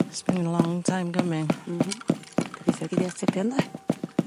'S been a long time goming. M-hm. Gobeithio gei di ateb gyna' 'i.